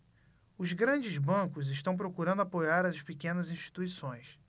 os grandes bancos estão procurando apoiar as pequenas instituições